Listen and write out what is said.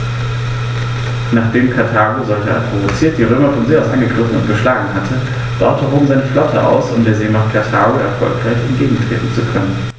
Nachdem Karthago, solcherart provoziert, die Römer von See aus angegriffen und geschlagen hatte, baute Rom seine Flotte aus, um der Seemacht Karthago erfolgreich entgegentreten zu können.